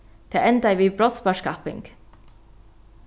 tað endaði við brotssparkskapping